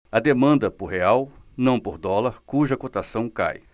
há demanda por real não por dólar cuja cotação cai